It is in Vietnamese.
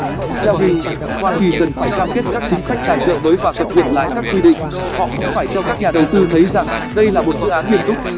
theo bill hoa kỳ cần phải cam kết các chính sách tài trợ mới và cập nhật lại các quy định họ cũng phải cho các nhà đầu tư thấy rằng đây là một dự án nghiêm túc